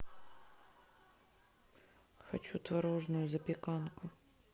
хочу творожную запеканку